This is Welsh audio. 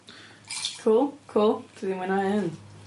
Cŵl, cŵl, dwi 'di mwyn'au 'yn.